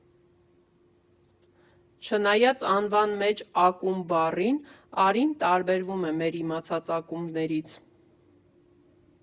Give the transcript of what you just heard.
Չնայած անվան մեջ «ակումբ» բառին, «Արին» տարբերվում է մեր իմացած ակումբներից։